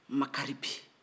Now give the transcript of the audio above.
makari bɛ yen